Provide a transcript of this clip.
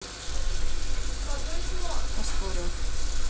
поспорил